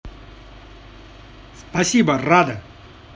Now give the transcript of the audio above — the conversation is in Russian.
спасибо рада